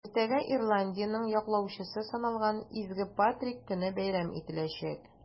Иртәгә Ирландиянең яклаучысы саналган Изге Патрик көне бәйрәм ителәчәк.